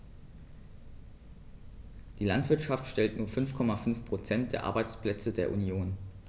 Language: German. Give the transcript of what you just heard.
Die Landwirtschaft stellt nur 5,5 % der Arbeitsplätze der Union.